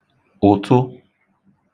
ụ̀tụ